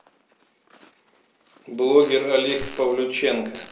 блогер олег павлюченко